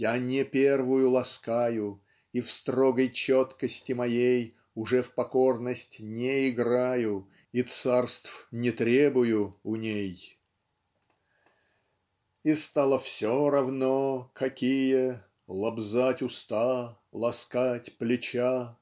я не первую ласкаю и в строгой четкости моей уже в покорность не играю и царств не требую у ней" "и стало все равно какие лобзать уста ласкать плеча